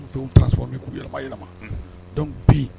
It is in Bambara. U fɛn sɔrɔ min k'u yɛrɛ yɛlɛma dɔn bi